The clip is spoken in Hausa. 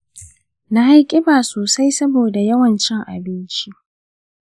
na yi ƙiba sosai saboda yawan cin abinci.